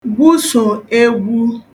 gwusò egwu